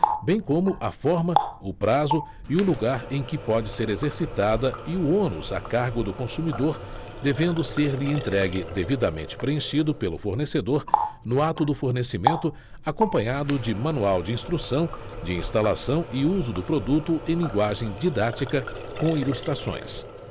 bem como a forma o prazo e o lugar em que pode ser exercitada e os ônus a cargo do consumidor devendo serlhe entregue devidamente preenchido pelo fornecedor no ato do fornecimento acompanhado de manual de instrução de instalação e uso do produto em linguagem didática com ilustrações